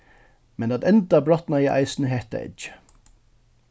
men at enda brotnaði eisini hetta eggið